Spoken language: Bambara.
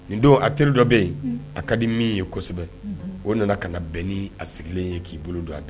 Nin don a teriri dɔ bɛ yen a ka di min ye kosɛbɛ o nana ka na bɛn ni a sigilen ye k'i bolo don a da